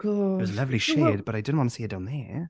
It was a lovely shade, but I didn't want to see it down there.